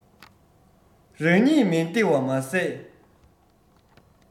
རང ཉིད མི བདེ བ མ ཟད